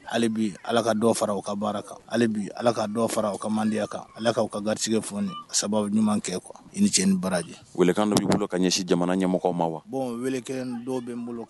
Hali bi Ala ka dɔ fara u ka baara kan, hali bi Ala ka dɔ fara u ka mandiya kan, Ala ka u ka garisigɛ fɔni, ka sababu ɲuman kɛ quoi . I ni cɛ, i ni baraji. Welekan dɔb'i bolo ka ɲɛsin jamana ɲɛmɔgɔw ma wa? bon wele dɔ bɛ n bolo